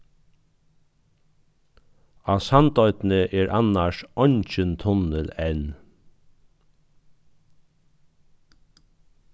á sandoynni er annars eingin tunnil enn